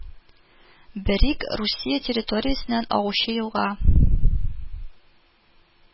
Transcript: Берик Русия территориясеннән агучы елга